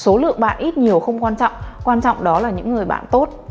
số lượng bạn ít nhiều không quan trọng quan trọng đó là những người bạn tốt